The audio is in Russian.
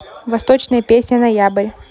восточная песня ноябрь